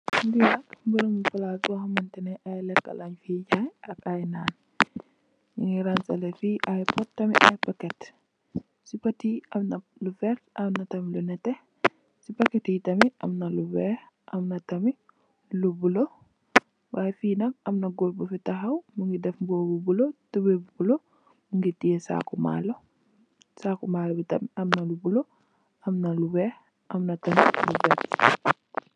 Lii nak berabu palaasi bo xamantene ay lekk lenj fay jaay, ak ay naan, nyingi ransele fi ay pot, tamit ak paket, si pot yi amna lu werta, amna tamit lu nete, si paket yi tamit, amna lu weex, amna tamit lu bula, waay fi nak amna goor bu fi tahaw, mingi def mbuba bula, tubay bu bula, mingi tiye saku malo, saku malo bi tam amna lu bula, am na lu weex, amna tamit lu verte.